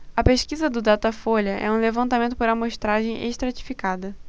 a pesquisa do datafolha é um levantamento por amostragem estratificada